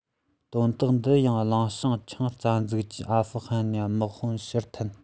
དོན དག འདི ཡང གླེང བྱང ཆིངས རྩ འཛུགས ཀྱིས ཨ ཧྥུ ཧན ནས དམག དཔུང ཕྱིར འཐེན